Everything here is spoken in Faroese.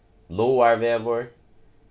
lágarvegur